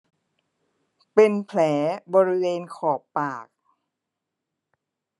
เป็นแผลบริเวณขอบปาก